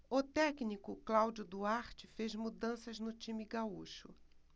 o técnico cláudio duarte fez mudanças no time gaúcho